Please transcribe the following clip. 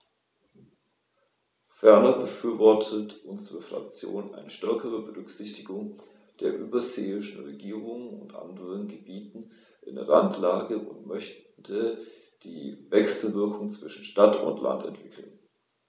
Ferner befürwortet unsere Fraktion eine stärkere Berücksichtigung der überseeischen Regionen und anderen Gebieten in Randlage und möchte die Wechselwirkungen zwischen Stadt und Land entwickeln.